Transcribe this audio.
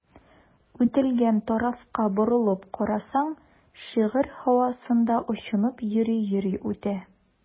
Үтелгән тарафка борылып карасаң, шигырь һавасында очынып йөри-йөри үтә.